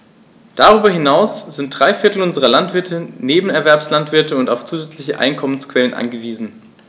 Darüber hinaus sind drei Viertel unserer Landwirte Nebenerwerbslandwirte und auf zusätzliche Einkommensquellen angewiesen.